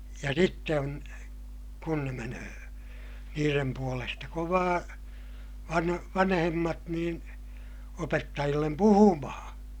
ja sitten on kun ne menee niiden puolesta kovaa - vanhemmat niin opettajille puhumaan